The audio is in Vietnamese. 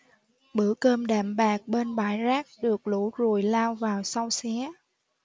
bữa cơm đạm bạc bên bãi rác được lũ ruồi lao vào xâu xé